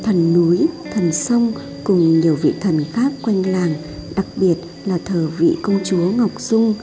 thần núi thần sông cùng nhiều vị thần khác quanh làng đặc biệt là thờ vị công chúa ngọc dung